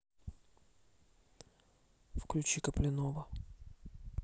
включи коплинова